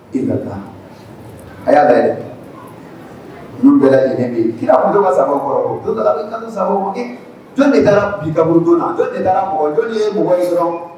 I ka taa a y'a dɛ min bɛ lajɛlenge kira kunba sago kɔrɔ kanu sa jɔn de bi kaj mɔgɔj ye mɔgɔ dɔrɔn